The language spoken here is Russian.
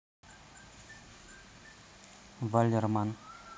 валерман